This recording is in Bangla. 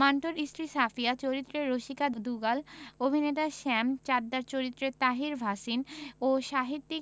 মান্টোর স্ত্রী সাফিয়া চরিত্রে রসিকা দুগাল অভিনেতা শ্যাম চাড্ডার চরিত্রে তাহির ভাসিন ও সাহিত্যিক